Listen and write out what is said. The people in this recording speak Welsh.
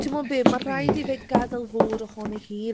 Timod be... literally ...mae'n rhaid i fe gadael fod ohoni hi.